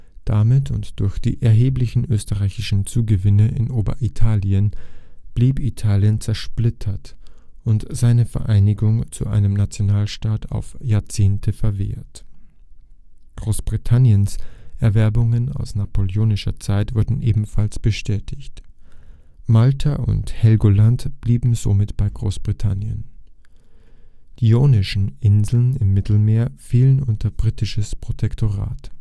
Damit und durch die erheblichen österreichischen Zugewinne in Oberitalien blieb Italien zersplittert und seine Vereinigung zu einem Nationalstaat auf Jahrzehnte verwehrt. Großbritanniens Erwerbungen aus napoleonischer Zeit wurden ebenfalls bestätigt. Malta und Helgoland blieben somit bei Großbritannien. Die Ionischen Inseln im Mittelmeer fielen unter britisches Protektorat